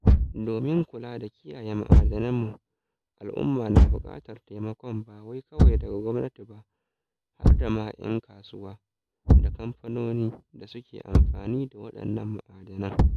Domin kula da kiyaye ma'adananmu, al'umma na buƙatar taimakon ba kawai daga gwamnati ba har ma daga 'yan kasuwa da kamfanoni da suke amfani da waɗannan ma'adanan.